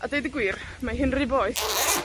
A deud y gwir, mae hi'n rhy boeth